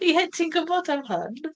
Ie, ti'n gwbod am hwn.